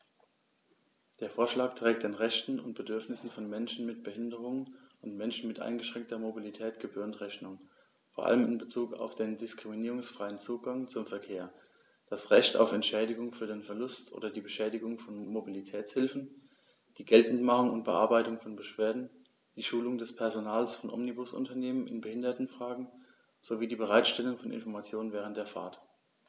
Der Vorschlag trägt den Rechten und Bedürfnissen von Menschen mit Behinderung und Menschen mit eingeschränkter Mobilität gebührend Rechnung, vor allem in Bezug auf den diskriminierungsfreien Zugang zum Verkehr, das Recht auf Entschädigung für den Verlust oder die Beschädigung von Mobilitätshilfen, die Geltendmachung und Bearbeitung von Beschwerden, die Schulung des Personals von Omnibusunternehmen in Behindertenfragen sowie die Bereitstellung von Informationen während der Fahrt.